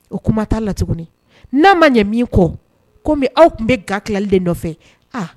O kuma t'a lat n'a ma ɲɛ min kɔ kɔmi aw tun bɛ ga tilalilen nɔfɛ